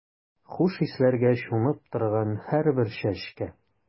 Хуш исләргә чумып торган һәрбер чәчкә.